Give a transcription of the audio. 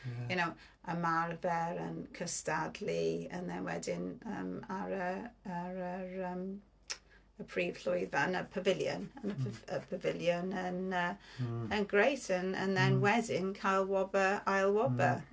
You know ymarfer, yn cystadlu and then wedyn yym ar y... yy ar yr yym y prif llwyfan y pavillion... yy y pafiliwn yn... yy yn great yn... and then wedyn cael wobr... ail wobr.